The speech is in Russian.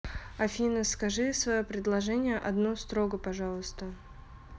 афина скажи свое предложение одно строго пожалуйста